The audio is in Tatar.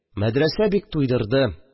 Мәдрәсә бик туйдырды